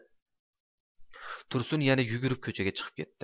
tursun yana yugurib ko'chaga chiqib ketdi